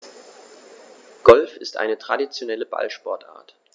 Golf ist eine traditionelle Ballsportart.